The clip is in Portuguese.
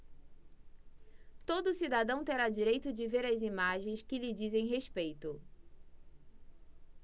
todo cidadão terá direito de ver as imagens que lhe dizem respeito